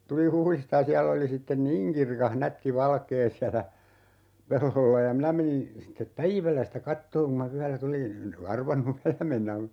tulin Huhdista ja siellä oli sitten niin kirkas nätti valkea siellä pellolla ja minä menin sitten päivällä sitä katsomaan kun minä yöllä tulin en arvannut yöllä mennä